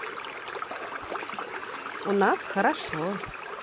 у нас хорошо